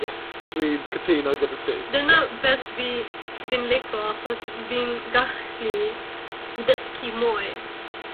Yes dwi'n cytuno gyda ti. Dyna beth fi fi'n lico achos fi'n gallu dysgu mwy.